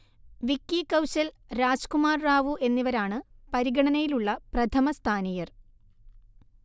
വിക്കി കൗശൽ, രാജ്കുമാർ റാവു എന്നിവരാണ് പരിഗണനയിലുള്ള പ്രഥമസ്ഥാനീയർ